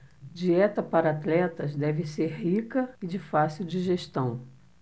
dieta para atletas deve ser rica e de fácil digestão